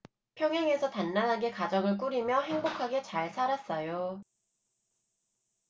평양에서 단란하게 가정을 꾸리며 행복하게 잘 살았어요